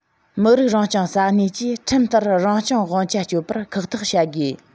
མི རིགས རང སྐྱོང ས གནས ཀྱིས ཁྲིམས ལྟར རང སྐྱོང དབང ཆ སྤྱོད པར ཁག ཐེག བྱ དགོས